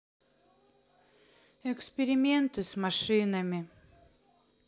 эксперименты с машинами